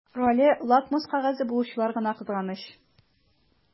Роле лакмус кәгазе булучылар гына кызганыч.